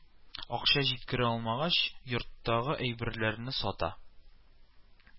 Акча иткерә алмагач, йорттагы әйберләрне сата